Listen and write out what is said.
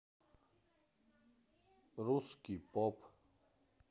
русский поп